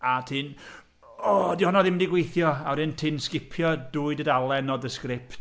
A ti'n, o 'di honno ddim wedi gweithio. A wedyn ti'n sgipio dwy dudalen o dy sgript.